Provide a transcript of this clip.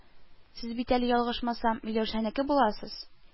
Сез бит әле, ял-гышмасам, Миләүшәнеке буласыз